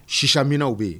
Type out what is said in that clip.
Sisanminw bɛ yen